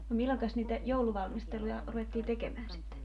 no milloinkas niitä jouluvalmisteluja ruvettiin tekemään sitten